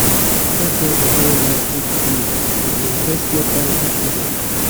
That's not a very nice thing to do," the investment banker added.